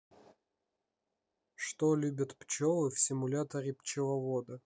что любят пчелы в симуляторе пчеловода